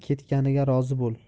ketganiga rozi bo'l